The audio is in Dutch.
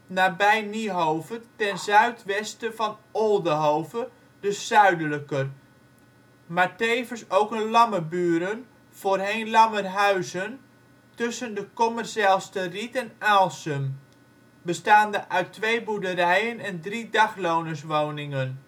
nabij Niehove ten zuidwesten van Oldehove (dus zuidelijker), maar tevens ook een Lammerburen (" voorheen Lammerhuizen ") tussen de Kommerzijlsterriet en Aalsum, bestaande uit twee boerderijen en drie daglonerswoningen